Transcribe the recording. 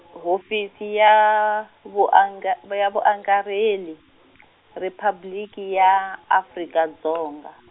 Hofisi ya, vuanga- vu ya Vuangarheli Riphabliki ya, Afrika Dzonga.